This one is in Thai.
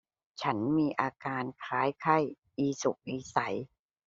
ฉันมีอาการคล้ายไข้อีสุกอีใส